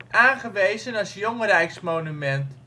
aangewezen als jong rijksmonument